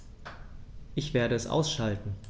Ich werde es ausschalten